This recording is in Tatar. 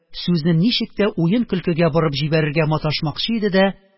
Сүзне ничек тә уен-көлкегә борып җибәрергә маташмакчы иде дә